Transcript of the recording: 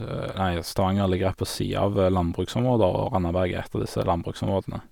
nei Stavanger ligger rett på sia av landbruksområder, og Randaberg er ett av disse landbruksområdene.